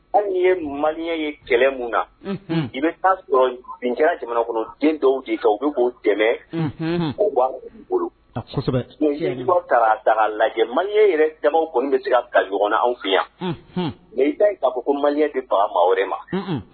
Anw ye maliya ye kɛlɛ min na i bɛ taa sɔrɔ bin kɛra jamana kɔnɔ den dɔw'i kan u bɛ'o dɛmɛ o b' bolo' taga lajɛ maliya yɛrɛ dama kɔni bɛ se ka ka ɲɔgɔngna anw fɛ yan n i bɛ ka bɔ ko maliya de ban wɛrɛ ma